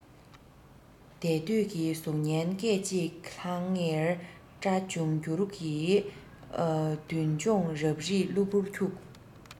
འདས དུས ཀྱི གཟུགས བརྙན སྐད ཅིག ལྷང ངེར བཀྲ འབྱུང འགྱུར གྱི མདུན ལྗོངས རབ རིབ གློ བུར འཁྱུགས